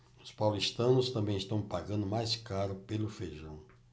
os paulistanos também estão pagando mais caro pelo feijão